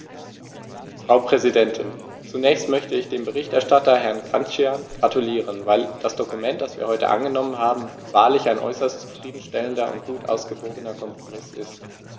Frau Präsidentin, zunächst möchte ich dem Berichterstatter Herrn Cancian gratulieren, weil das Dokument, das wir heute angenommen haben, wahrlich ein äußerst zufrieden stellender und gut ausgewogener Kompromiss ist.